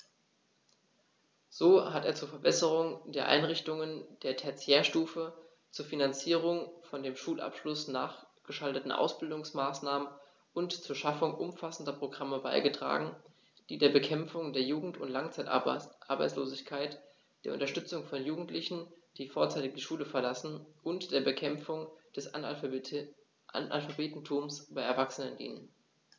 So hat er zur Verbesserung der Einrichtungen der Tertiärstufe, zur Finanzierung von dem Schulabschluß nachgeschalteten Ausbildungsmaßnahmen und zur Schaffung umfassender Programme beigetragen, die der Bekämpfung der Jugend- und Langzeitarbeitslosigkeit, der Unterstützung von Jugendlichen, die vorzeitig die Schule verlassen, und der Bekämpfung des Analphabetentums bei Erwachsenen dienen.